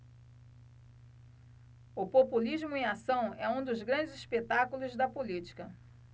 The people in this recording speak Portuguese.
o populismo em ação é um dos grandes espetáculos da política